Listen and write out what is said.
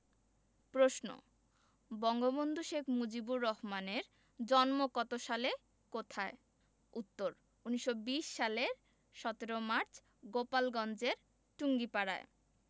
প্রশ্ন বঙ্গবন্ধু শেখ মুজিবুর রহমানের জন্ম কত সালে কোথায় উত্তর ১৯২০ সালের ১৭ মার্চ গোপালগঞ্জের টুঙ্গিপাড়ায়